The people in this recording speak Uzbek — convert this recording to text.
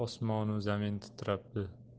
osmonu zamin titrabdi